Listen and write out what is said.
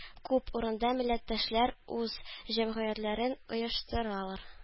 Күп урында милләттәшләр үз җәмгыятьләрен оештыралар